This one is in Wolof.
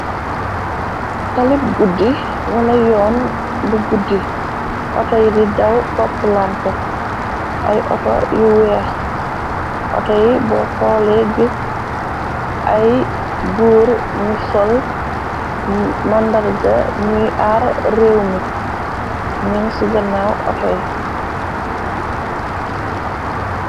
Talib guddi wala yoon bu guddi. Otoy di daw topplante ay ato yu weex outoy bo xoole gis ay guur ñu sol màndarga ñuy aar réew mi ñung ci gannaaw ato y.